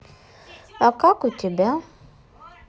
а как у тебя